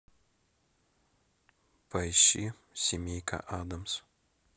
поищи семейка аддамс